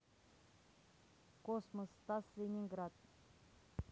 космос стас ленинград